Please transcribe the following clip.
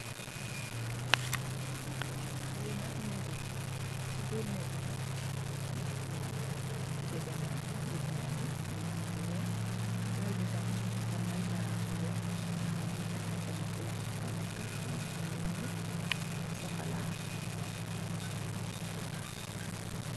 Lenak nake la.sibir nake bi nak mu nge ameh ngengenin mu nge ameh lu weyh nu gi lal darap bu wey tamit.